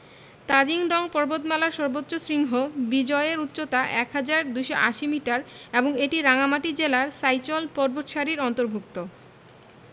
তাজিং ডং পর্বতমালার সর্বোচ্চ শৃঙ্গ বিজয় এর উচ্চতা ১হাজার ২৮০ মিটার এবং এটি রাঙ্গামাটি জেলার সাইচল পর্বতসারির অন্তর্ভূক্ত